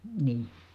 niin